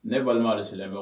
Ne balima selen